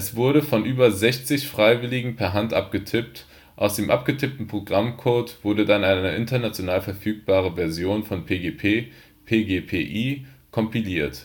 wurde von über 60 Freiwilligen per Hand abgetippt. Aus dem abgetippten Programmcode wurde dann eine international verfügbare Version von PGP (PGPi) kompiliert